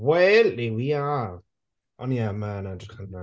Well there we are. Ond ie ma' yn edrych yn yy...